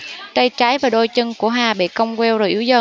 tay trái và đôi chân của hà bị cong queo rồi yếu dần